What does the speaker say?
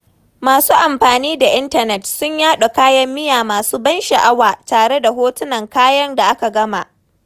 Masu amfani da intanet sun yaɗa kayan miya masu ban sha'awa tare da hotunan kayan da aka gama.